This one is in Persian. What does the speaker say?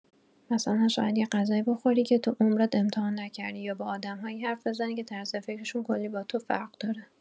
مثلا شاید یه غذایی بخوری که تو عمرت امتحان نکردی، یا با آدم‌هایی حرف بزنی که طرز فکرشون کلی با تو فرق داره.